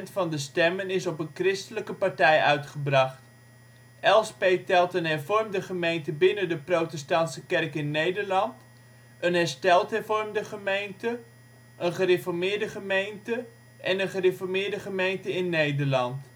van de stemmen is op een christelijke partij uitgebracht. Elspeet telt een Hervormde gemeente binnen de Protestantse Kerk in Nederland, een Hersteld Hervormde gemeente, een Gereformeerde Gemeente en een Gereformeerde Gemeente in Nederland